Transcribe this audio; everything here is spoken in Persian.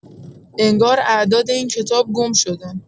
انگار اعداد این کتاب گم‌شدن!